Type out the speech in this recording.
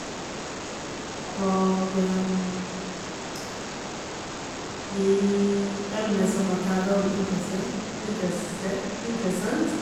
Og de emner som jeg tar, er veldig interessent interessert interessant.